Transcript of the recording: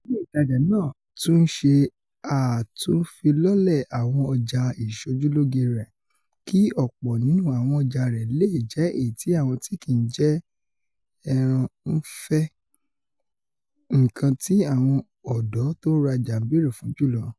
Ilé ìtajà náà tún ńṣe àtúnfilọ́lẹ̀ àwọn ọjà ìṣojúlóge rẹ̀ kí ọ̀pọ̀ nínú àwọn ọjà rẹ̀ leè jẹ èyití àwọn tí kìí jẹ ẹran ńfẹ́ - nǹkan ti àwọn ọ̀dọ́ tó ńrajà ńbèèré fún jùlọ.